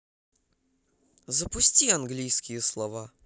запусти английские слова